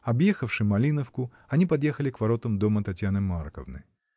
Объехавши Малиновку, они подъехали к воротам дома Татьяны Марковны.